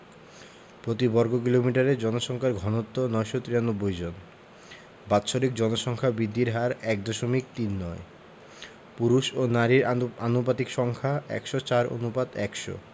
প্রতি বর্গ কিলোমিটারে জনসংখ্যার ঘনত্ব ৯৯৩ জন বাৎসরিক জনসংখ্যা বৃদ্ধির হার ১দশমিক তিন নয় পুরুষ ও নারীর আনুপাতিক সংখ্যা ১০৪ অনুপাত ১০০